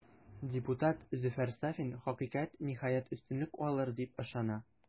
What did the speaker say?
Депутат Зөфәр Сафин, хакыйкать, ниһаять, өстенлек алыр, дип ышана.